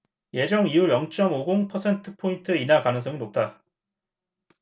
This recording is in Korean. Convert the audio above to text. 예정이율 영 쩜 오 공 퍼센트포인트 인하 가능성이 높다